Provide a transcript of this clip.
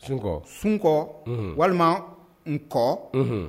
Sunkɔ sunkɔ, unhun, walima nkɔ